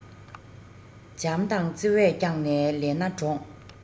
བྱམས དང བརྩེ བས བསྐྱངས ནས ལས སྣ དྲོངས